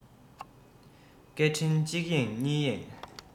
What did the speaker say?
སྐད འཕྲིན གཅིག གཡེང གཉིས གཡེང